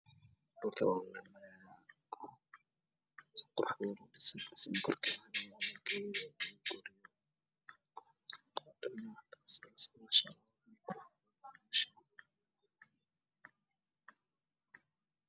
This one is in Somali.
Meeshan waxa iga muuqato magaalo waxaa ka baxaya geerida tallaal oo cagaaran oo dhaadheer